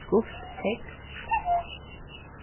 gult tógv